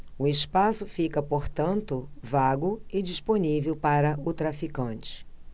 o espaço fica portanto vago e disponível para o traficante